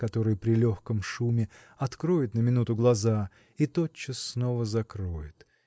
который при легком шуме откроет на минуту глаза и тотчас снова закроет